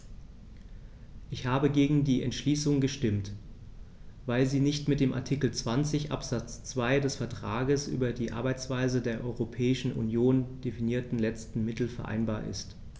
Ich habe gegen die Entschließung gestimmt, weil sie nicht mit dem in Artikel 20 Absatz 2 des Vertrags über die Arbeitsweise der Europäischen Union definierten letzten Mittel vereinbar ist.